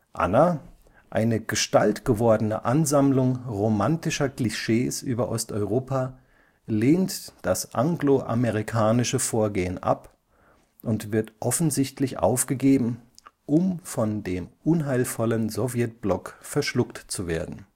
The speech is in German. Anna, eine gestaltgewordene Ansammlung romantischer Klischees über Osteuropa, lehnt das anglo-amerikanische Vorgehen ab […] und wird offensichtlich aufgegeben, um von dem unheilvollen Sowjetblock verschluckt zu werden